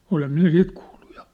olen minä sitä kuullut ja